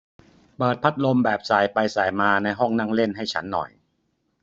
เปิดพัดลมแบบส่ายไปส่ายมาในห้องนั่งเล่นให้ฉันหน่อย